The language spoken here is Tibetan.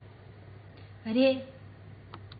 རེད